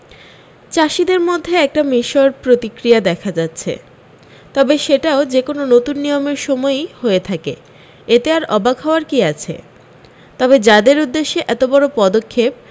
চাষিদের মধ্যে একটা মিশর প্রতিক্রিয়া দেখা যাচ্ছে তবে সেটাও যেকোনো নতুন নিয়মের সময়েই হয়ে থাকে এতে আর অবাক হওয়ার কী আছে তবে যাদের উদ্যেশ্যে এতবড় পদক্ষেপ